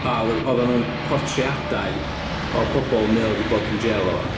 A oedden nhw'n portreadau o bobl mae o 'di bod yn jail efo.